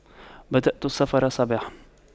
بدأت السفر صباحا